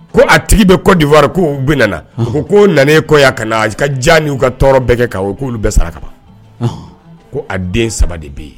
Ko a tigi bɛ kɔdiwari ko bɛ ko ko nan kɔ ka ka diya n' ka tɔɔrɔ bɛɛ kɛ kan k'olu bɛɛ saraka kaban ko a den saba de bɛ yen